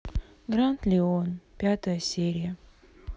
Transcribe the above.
гранд леон пятая серия